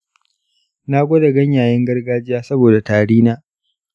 na gwada ganyayen gargajiya saboda tari na.